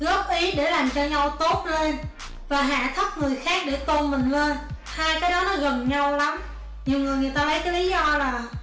góp ý để làm cho nhau tốt lên và hạ thấp người khác để tôn mình lên hai cái đó nó gần nhau lắm nhiều người người ta lấy cái lí do là